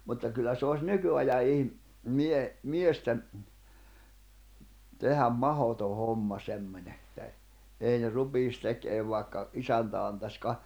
mutta kyllä se olisi nykyajan -- miesten tehdä mahdoton homma semmoinen että - ei ne rupeaisi tekemään vaikka isäntä antaisi -